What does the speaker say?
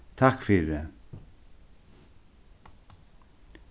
takk fyri